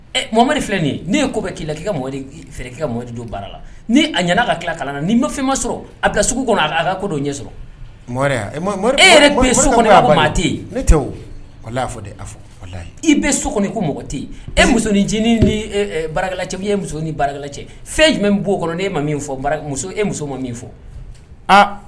Bara la ni a ka ki kalan na ni'i ma fɛnma sɔrɔ a kɔnɔ a ɲɛ sɔrɔ so tɛ i bɛ so ko tɛ e musoinin ni bara cɛ ye musosonin bara cɛ fɛn jumɛn' kɔnɔ e ma fɔ e muso ma min fɔ